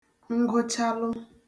ngụchalụ